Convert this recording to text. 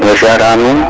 Maxey siare'aa nuun